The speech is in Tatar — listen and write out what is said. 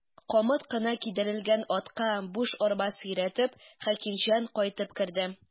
Камыт кына кидерелгән атка буш арба сөйрәтеп, Хәкимҗан кайтып керде.